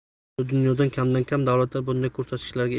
bugungi kunda dunyoda kamdan kam davlatlar bunday ko'rsatkichlarga erishgan